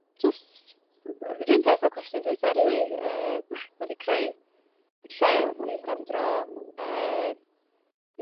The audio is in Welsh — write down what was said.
jyst yr un peth a cwestiwn dwutha rili yym ma' 'di creu lle i fynd am dro yym